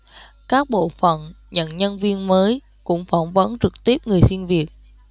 các bộ phận nhận nhân viên mới cũng phỏng vấn trực tiếp người xin việc